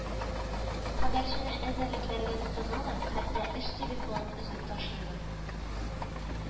Хәбәрчене эзәрлекләргә тотыналар, хәтта эш телефонын өзеп ташлыйлар